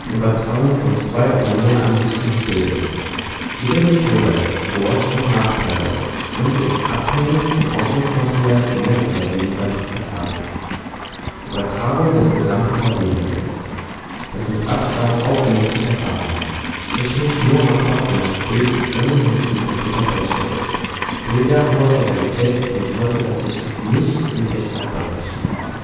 Übertragung von 2 oder mehr Ansichten des Bildes. Jede Methode hat Vor - und Nachteile und ist abhängig vom Ausgangsmaterial mehr oder weniger praktikabel. Übertragung des gesamten 3-D-Modells: Das mit Abstand aufwendigste Verfahren. Technisch nur machbar, wenn das Bild ohnehin im Computer berechnet wird. Bilder hoher Realität mit heutiger Technik nicht in Echtzeit berechenbar